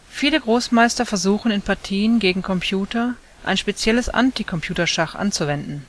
Viele Großmeister versuchen in Partien gegen Computer, ein spezielles Anticomputerschach anzuwenden